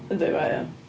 Yndi mae o?